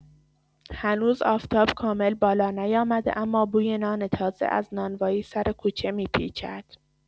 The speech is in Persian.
هنوز آفتاب کامل بالا نیامده، اما بوی نان تازه از نانوایی سر کوچه می‌پیچد.